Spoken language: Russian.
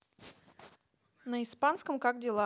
на испанском как дела